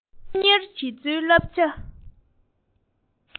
སློབ གཉེར བྱེད ཚུལ བསླབ བྱ